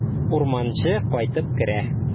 Урманчы кайтып керә.